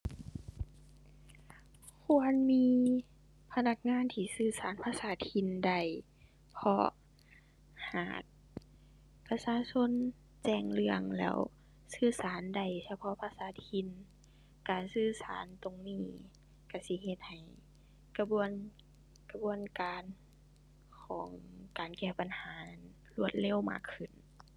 ควรมีพนักงานที่สื่อสารภาษาถิ่นได้ เพราะหากประชาชนแจ้งเรื่องแล้วสื่อสารได้เฉพาะภาษาถิ่น การสื่อสารตรงนี้ก็สิเฮ็ดให้กระบวน กระบวนการของการแก้ปัญหารวดเร็วมากขึ้น